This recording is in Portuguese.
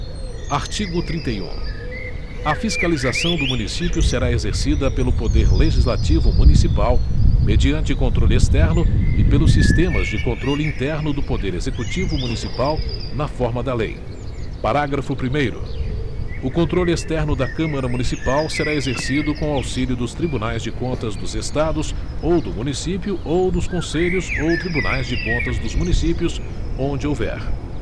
artigo trinta e um a fiscalização do município será exercida pelo poder legislativo municipal mediante controle externo e pelos sistemas de controle interno do poder executivo municipal na forma da lei parágrafo primeiro o controle externo da câmara municipal será exercido com o auxílio dos tribunais de contas dos estados ou do município ou dos conselhos ou tribunais de contas dos municípios onde houver